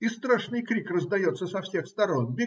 И страшный крик раздается со всех сторон